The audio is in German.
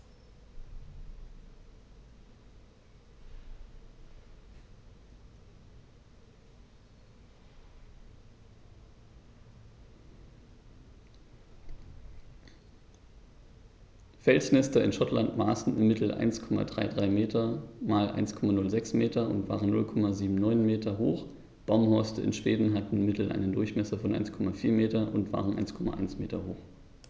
Felsnester in Schottland maßen im Mittel 1,33 m x 1,06 m und waren 0,79 m hoch, Baumhorste in Schweden hatten im Mittel einen Durchmesser von 1,4 m und waren 1,1 m hoch.